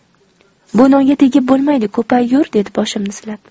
bu nonga tegib bo'lmaydi ko'paygur dedi boshimni silab